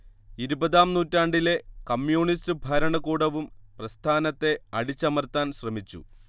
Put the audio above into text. ഇരുപതാം നൂറ്റാണ്ടിലെ കമ്മ്യൂണിസ്റ്റു ഭരണകൂടവും പ്രസ്ഥാനത്തെ അടിച്ചമർത്താൻ ശ്രമിച്ചു